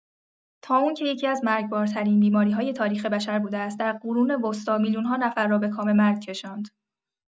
طاعون که یکی‌از مرگبارترین بیماری‌های تاریخ بشر بوده است، در قرون وسطی میلیون‌ها نفر را به کام مرگ کشاند.